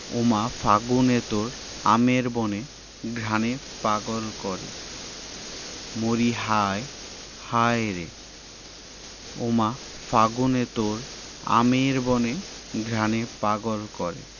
ওমা ফাগুনে তোর আমের বনে ঘ্রাণে পাগল করে মরিহায় হায়রে ওমা ফাগুনে তোর আমের বনে ঘ্রাণে পাগল করে